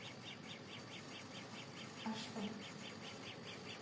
а что